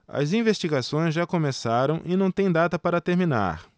as investigações já começaram e não têm data para terminar